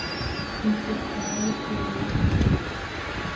чики вторая серия